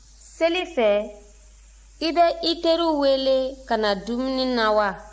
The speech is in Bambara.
seli fɛ i bɛ i teriw wele ka na dumuni na wa